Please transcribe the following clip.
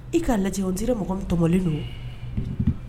I ka lajɛ tɛ mɔgɔ min tɔmɔlen don